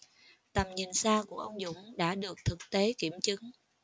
tầm nhìn xa của ông dũng đã được thực tế kiểm chứng